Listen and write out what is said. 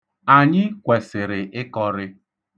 Anyị kwesịrị ịkọrị.